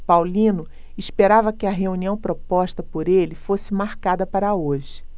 paulino esperava que a reunião proposta por ele fosse marcada para hoje